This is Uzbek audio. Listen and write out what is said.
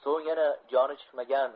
so'ng yana joni chiqmagan